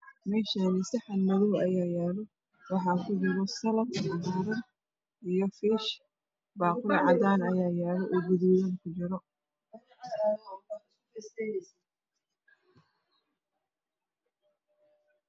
Meeshaan saxan madow ayaa yaalo waxaa kujiro salar cagaaran iyo fish. Baaquli ayaa yaalo oo cadaan ah wax gaduudan ayaa ku jiro.